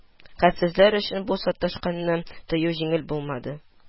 Хәлсезләр өчен бу саташканны тыю җиңел булмады